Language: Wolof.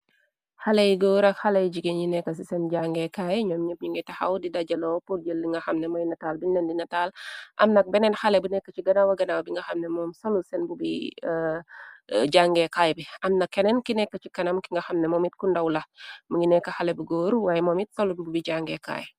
Xaley góor ak xaley jigéen yi nekk ci seen jangeekaay, ñoom ñep ñi ngay taxaw di dajalo purjël li nga xamne moy nataal bi nen di nataal, amnak benneen xale bu nekk ci ganawa, ganaaw bi nga xamne moom sonul seen bubi jàngeekaay bi, amna keneen ki nekk ci kanam ki nga xamne momit ku ndaw la, mi ngi nekk xale bu góor, waaye momit solun bu bi jangeekaay.